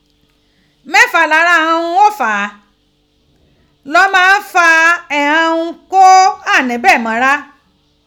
Mẹ́fà lára ighan ihun kó fà á, ló máa ń fa ighann ihun kó ghà níbẹ̀ mọ́ra..